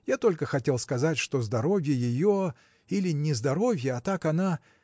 Я только хотел сказать, что здоровье ее. или не здоровье, а так она.